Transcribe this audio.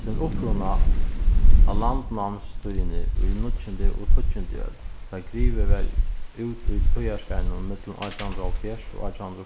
sín uppruna á landnámstíðini í níggjundu og tíggjundu øld tá grivið varð út í tíðarskeiðnum millum átjan hundrað og hálvfjerðs og átjan hundrað og